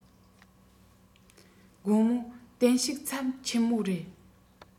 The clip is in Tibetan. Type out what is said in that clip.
དགོང མོ བསྟན བཤུག ཚབས ཆེན མོ རེ